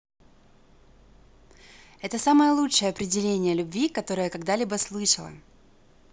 это самое лучшее определение любви которое когда либо слышала